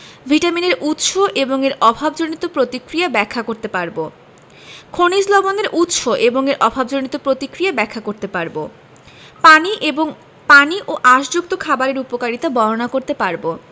ভিটামিনের উৎস এবং এর অভাবজনিত প্রতিক্রিয়া ব্যাখ্যা করতে পারব খনিজ লবণের উৎস এবং এর অভাবজনিত প্রতিক্রিয়া ব্যাখ্যা করতে পারব পানি ও আশযুক্ত খাবারের উপকারিতা বর্ণনা করতে পারব